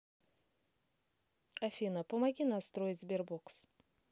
афина помоги настроить sberbox